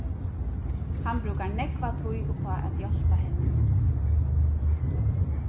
hann brúkar nógva tíð upp á at hjálpa henni